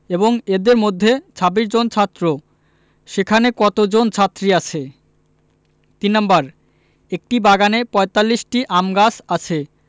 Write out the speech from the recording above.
এবং এদের মধ্যে ২৬ জন ছাত্র সেখানে কতজন ছাত্রী আছে ৩ নাম্বার একটি বাগানে ৪৫টি আম গাছ আছে